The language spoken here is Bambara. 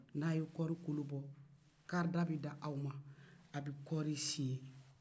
n'a ye kɔɔri kolo bɔ karida bɛ di aw ma a bɛ kɔɔri siyen